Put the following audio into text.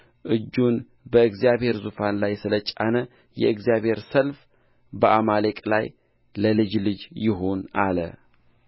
እጁን በእግዚአብሔር ዙፋን ላይ ስለጫነ የእግዚአብሔር ሰልፍ በአማሌቅ ላይ ለልጅ ልጅ ይሁን አለ